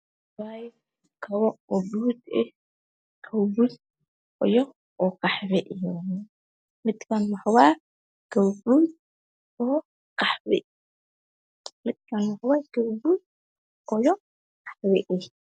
Mashan wax yalo buud kalar kode waa qahwi